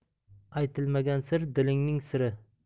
aytilmagan sir dilingning siri